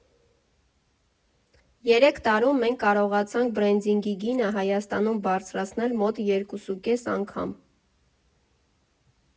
Երեք տարում մենք կարողացանք բրենդինգի գինը Հայաստանում բարձրացնել մոտ երկուսուկես անգամ»։